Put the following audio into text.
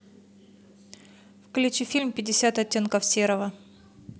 включи фильм пятьдесят оттенков серого